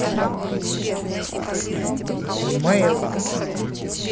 a male